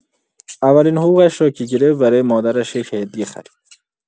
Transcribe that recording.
اولین حقوقش را که گرفت، برای مادرش یک هدیه خرید.